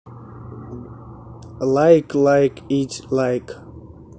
лайк like it like